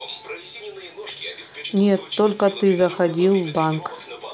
нет только ты заходил в банк